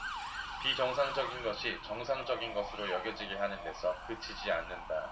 비정상적인 것이 정상적인 것으로 여겨지게 하는 데서 그치지 않는다